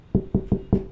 San